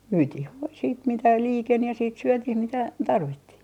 myytiin voi sitten mitä liikeni ja sitten syötiin mitä tarvittiin